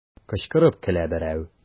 Кычкырып көлә берәү.